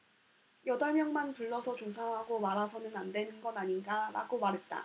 여덟 명만 불러서 조사하고 말아서는 안되는 것 아닌가라고 말했다